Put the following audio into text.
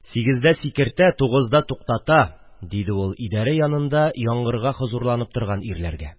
– сигездә сикертә, тугызда туктата, – диде ул идәрә янында яңгырга хозурланып торган ирләргә